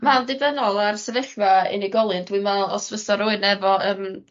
Fel dibynnol a'r sefyllfa unigolyn dwi'n me'wl os fysa rywun efo yym